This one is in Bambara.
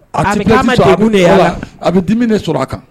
A k' ma jaabi de yala a bɛ di de sɔrɔ a kan